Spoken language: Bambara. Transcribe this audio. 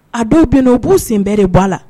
A dɔw bɛ na u b'u sen bɛɛ de bɔ a la.